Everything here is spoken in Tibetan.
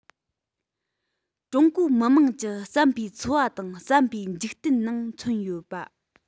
ཀྲུང གོའི མི དམངས ཀྱི བསམ པའི འཚོ བ དང བསམ པའི འཇིག རྟེན ནང མཚོན ཡོད པ